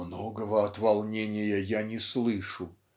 "Многого от волнения я не слышу